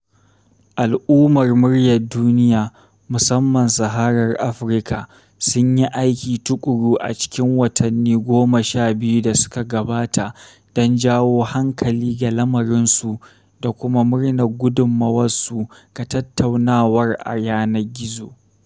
Al’ummar muryar duniya, musamman Saharar Afirka, sun yi aiki tuƙuru a cikin watanni goma sha biyu da suka gabata don jawo hankali ga lamarinsu da kuma murnar gudummawarsu ga tattaunawar a yanar gizo.